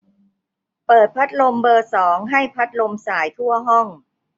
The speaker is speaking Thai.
เปิดพัดลมเบอร์สองให้พัดลมส่ายทั่วห้อง